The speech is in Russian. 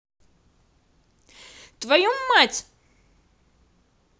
твою мать